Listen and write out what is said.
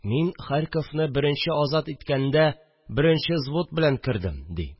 – мин харьковны беренче азат иткәндә беренче звут белән кердем, – ди